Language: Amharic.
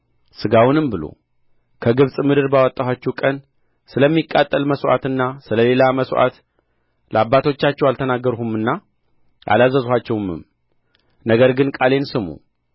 ሥጋውንም ብሉ ከግብጽ ምድር ባወጣኋችሁ ቀን ስለሚቃጠል መሥዋዕትና ስለ ሌላ መሥዋዕት ለአባቶቻችሁ አልተናገርሁምና አላዘዝኋቸውምም ነገር ግን ቃሌን ስሙ